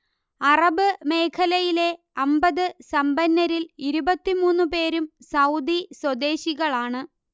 Arab മേഖലയിലെ അമ്പത് സമ്പന്നരിൽ ഇരുപത്തിമൂന്നു പേരും സൗദി സ്വദേശികളാണ്